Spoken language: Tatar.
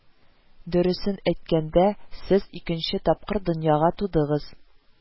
Дөресен әйткәндә, сез икенче тапкыр дөньяга тудыгыз